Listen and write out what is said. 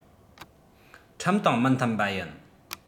ཁྲིམས དང མི མཐུན པ ཡིན